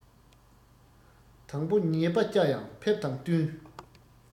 དང པོ ཉེས པ བཅའ ཡང ཕེབས དང བསྟུན